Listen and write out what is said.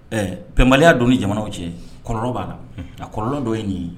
Ɛɛ bɛnbaliya don ni jamanaw cɛ b'a la a kɔrɔlɔ dɔ ye nin ye